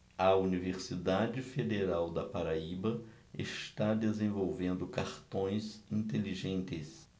a universidade federal da paraíba está desenvolvendo cartões inteligentes